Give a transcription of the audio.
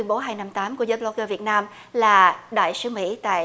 bố hai năm tám của giơ lóc gơ việt nam là đại sứ mỹ tại